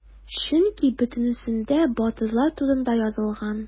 Чөнки бөтенесендә батырлар турында язылган.